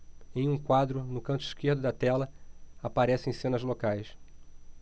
em um quadro no canto esquerdo da tela aparecem cenas locais